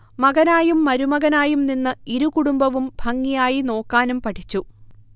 മകനായും മരുമകനായും നിന്ന് ഇരു കുടുംബവും ഭംഗിയായി നോക്കാനും പഠിച്ചു